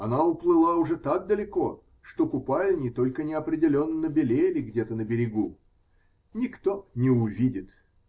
Она уплыла уже так далеко, что купальни только неопределенно белели где-то на берегу. Никто не увидит.